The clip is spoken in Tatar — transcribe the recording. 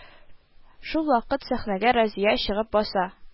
Шул вакыт сәхнәгә Разия чыгып баса